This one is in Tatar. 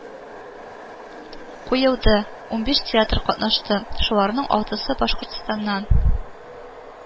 Куелды, унбиш театр катнашты, шуларның алтысы башкортстаннан